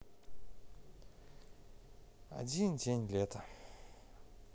один день лета